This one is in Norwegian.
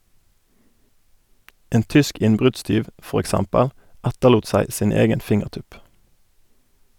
En tysk innbruddstyv, for eksempel, etterlot seg sin egen fingertupp.